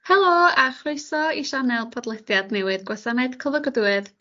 helo a chroeso i sianel podlediad newydd gwasanaeth cyflogadwyedd